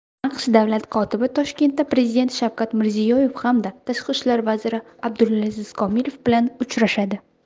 aqsh davlat kotibi toshkentda prezident shavkat mirziyoyev hamda tashqi ishlar vaziri abdulaziz komilov bilan uchrashadi